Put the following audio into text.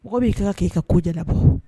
Mɔgɔ b'i kɛ ka k'i ka kojɛ bɔ